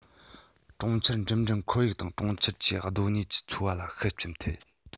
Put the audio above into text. གྲོང ཁྱེར འགྲིམ འགྲུལ ཁོར ཡུག དང གྲོང ཁྱེར གྱི སྡོད གནས ཀྱི འཚོ བ ལ ཤུགས རྐྱེན ཐེབས